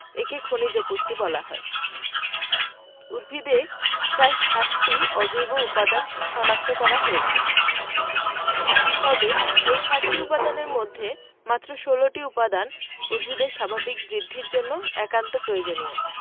একে খনিজ পুষ্টি বলা হয় উদ্ভিদে প্রায় ৬০টি অজৈব উপাদান শনাক্ত করা হয়েছে তবে এই ৬০টি উপাদানের মধ্যে মাত্র ১৬টি উপাদান উদ্ভিদের স্বাভাবিক বৃদ্ধির জন্য একান্ত প্রয়োজনীয়